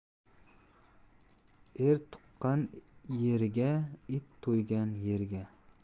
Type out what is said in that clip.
er tuqqan yeriga it to'ygan yeriga